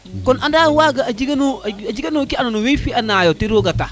kon anda waga a jega no a jega no ke ando we fiya nayo to roga tax